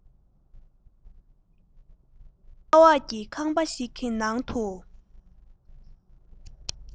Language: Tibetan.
ས འོག གི ཁང པ ཞིག གི ནང དུ